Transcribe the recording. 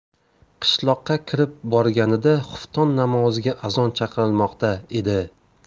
qishloqqa kirib borganida xufton namoziga azon chaqirilmoqda edi